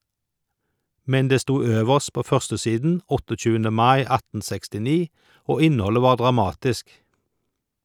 Men det sto øverst på førstesiden 28. mai 1869, og innholdet var dramatisk.